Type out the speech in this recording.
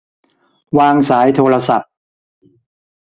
วางสายโทรศัพท์